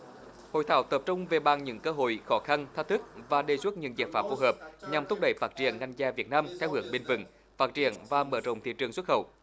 hội thảo tập trung về bàn những cơ hội khó khăn thách thức và đề xuất những giải pháp phù hợp nhằm thúc đẩy phát triển ngành chè việt nam theo hướng bền vững phát triển và mở rộng thị trường xuất khẩu